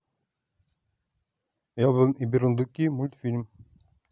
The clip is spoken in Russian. элвин и бурундуки мультфильм